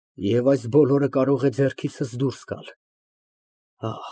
Եվ այս բոլորը կարող է ձեռքիցս դուրս գալ։